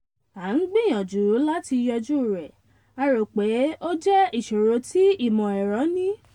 A ń gbìyànjú láti yanjú rẹ̀, a rò pé ó jẹ́ ìṣòro tí ìmọ̀ ẹ̀rọ ni.